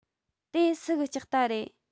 དེ སུ གི ལྕགས རྟ རེད